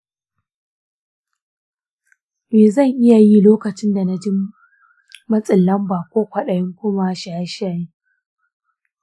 me zan iya yi lokacin da na ji matsin lamba ko kwaɗayin komawa shaye-shaye?